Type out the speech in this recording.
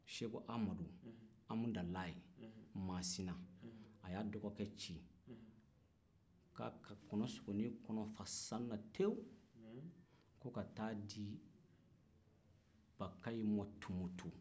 seko amadu amudalayi masina a y'a dɔgɔkɛ ci ka kɔnɔsogoni kɔnɔ fa sanu na tewu ko ka taa di bakayi ma tumutu